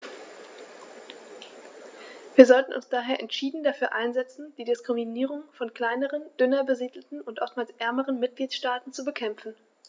Wir sollten uns daher entschieden dafür einsetzen, die Diskriminierung von kleineren, dünner besiedelten und oftmals ärmeren Mitgliedstaaten zu bekämpfen.